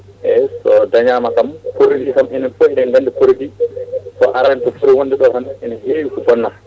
eyyi so dañama produit kam ene foof eɗen gandi produit so arani ɗo footi wonde ɗo tan ene heewi ko bonnata